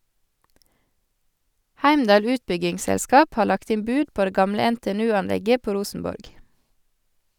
Heimdal utbyggingsselskap har lagt inn bud på det gamle NTNU-anlegget på Rosenborg.